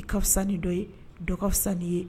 I ka fisa ni dɔ ye dɔka fisa n'i ye